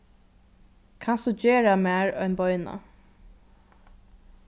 kanst tú gera mær ein beina